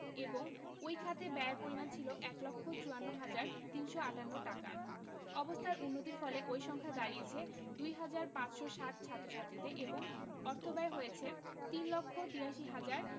এবং ওই খাতে ব্যয়ের পরিমাণ ছিল ১ লক্ষ ৫৪ হাজার ৩৫৮ টাকা অবস্থার উন্নতির ফলে ওই সংখ্যা দাঁড়িয়েছে ২ হাজার ৫৬০ ছাত্রছাত্রীতে এবং অর্থব্যয় হয়েছে ৩ লক্ষ ৮৩ হাজার